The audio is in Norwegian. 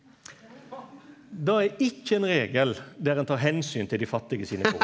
det er ikkje ein regel der ein tar omsyn til dei fattige sine behov.